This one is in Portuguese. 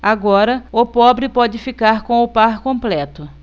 agora o pobre pode ficar com o par completo